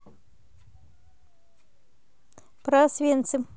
про освенцим